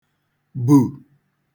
bù